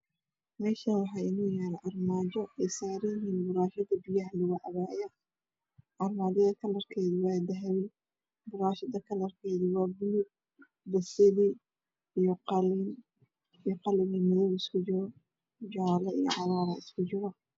Meshaan waxa yalo armaajo ey saaran yihiin burshaka biyaha lagu capo armajada kalarkeedu waa dahpi purashada waaaa puluug pazali qalin madow isku jiro jala iyo cagaar isku jiro